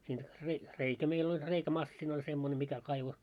siinä - reikä meillä oli reikämasiina oli semmoinen mikä kaivoi